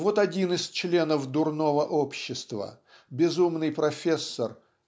Вот один из членов "Дурного общества" безумный профессор